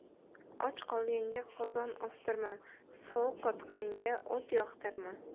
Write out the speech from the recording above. och qolganga qozon ostirma sovuq qotganga o't yoqtirma